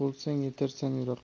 bo'lsang yetarsan yiroqqa